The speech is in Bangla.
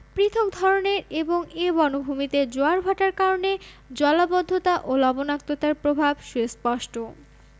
পৃথক ধরনের এবং এ বনভূমিতে জোয়ারভাটার কারণে জলাবদ্ধতা ও লবণাক্ততার প্রভাব সুস্পষ্ট